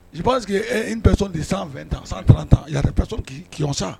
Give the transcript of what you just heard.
Nciba que npson de san fɛn tan san tan ki sa